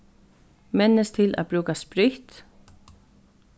minnist til at brúka spritt